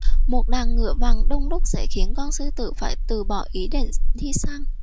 một đàn ngựa vằn đông đúc sẽ khiến con sư tử phải từ bỏ ý định đi săn